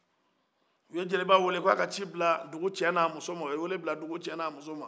u ye jeliba wele ko a ka ci bila dugu cɛw n'a musow ma o y'a wele bila dugu cɛ n'a musow ma